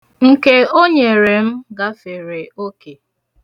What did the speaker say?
Nke o nyere m gafere oke.